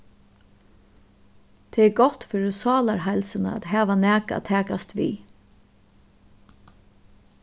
tað er gott fyri sálarheilsuna at hava nakað at takast við